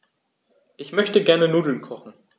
Ich möchte gerne Nudeln kochen.